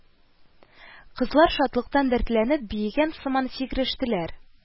Кызлар, шатлыктан дәртләнеп, биегән сыман сикерештеләр: